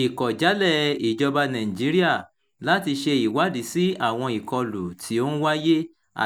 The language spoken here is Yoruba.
Ìkọ̀jálẹ́ ìjọba Nàìjíríà láti ṣe ìwádìí sí àwọn ìkọlù tí ó ń wáyé